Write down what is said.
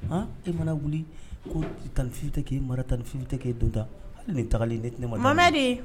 H e mana wuli ko tan ni fi tɛ' e mara tan ni fi tɛ'e don tan hali nin tagalen ne tɛ ne ma mamɛ de